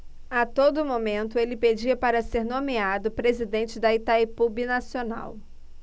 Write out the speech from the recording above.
a todo momento ele pedia para ser nomeado presidente de itaipu binacional